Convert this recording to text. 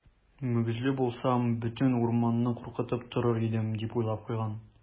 Мөгезле булсам, бөтен урманны куркытып торыр идем, - дип уйлап куйган.